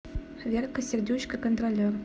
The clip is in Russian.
верка сердючка контролер